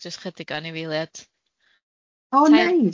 yym jyst chydig o anifeiliad.